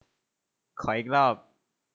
ขออีกรอบ